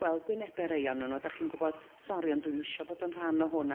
gweld gwyne rei o'nyn nhw a 'dych chi'n gw'bod sori ond dwi'm isio bod yn rhan o hwn